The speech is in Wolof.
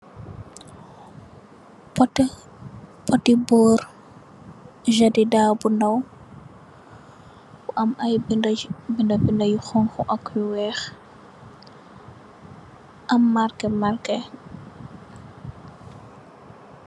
Poti, poti beur jadida bu ndaw, bu am ay binde, binde yu xonxu ak yu weex, am marke, marke